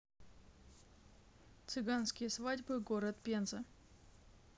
цыганские свадьбы город пенза